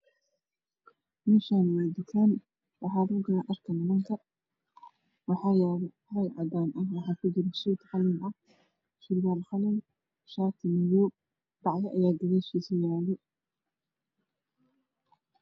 Meshsni waa dukan waxlaku gada dharka nimanka waxyalo caag cadan ah waxa kujiro suud qalin ah io sirwal qalin dhati madow bacyo aya gadashis yalo